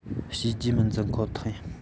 བྱས རྗེས མི འཛིན ཁོ ཐག ཡིན